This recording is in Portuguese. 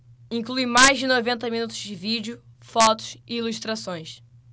inclui mais de noventa minutos de vídeo fotos e ilustrações